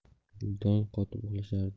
dong qotib uxlashardi